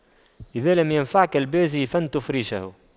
إذا لم ينفعك البازي فانتف ريشه